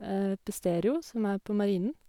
Pstereo, som er på Marinen.